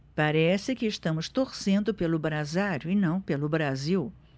parece que estamos torcendo pelo brasário e não pelo brasil